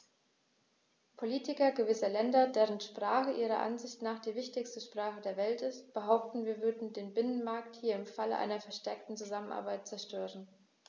Politiker gewisser Länder, deren Sprache ihrer Ansicht nach die wichtigste Sprache der Welt ist, behaupten, wir würden den Binnenmarkt hier im Falle einer verstärkten Zusammenarbeit zerstören.